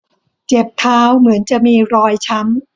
เจ็บเท้าเหมือนจะมีรอยช้ำ